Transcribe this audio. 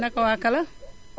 naka waa Kalla